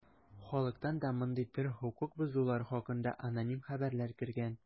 Халыктан да мондый төр хокук бозулар хакында аноним хәбәрләр кергән.